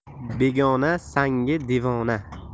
begona sangi devona